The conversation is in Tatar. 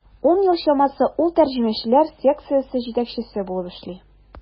Ун ел чамасы ул тәрҗемәчеләр секциясе җитәкчесе булып эшли.